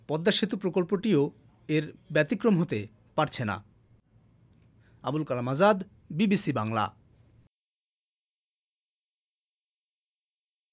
পদ্মা সেতু প্রকল্প টি ও এ ব্যাতিক্রম হতে পারছে না আবুল কালাম আজাদ বিবিসি বাংলা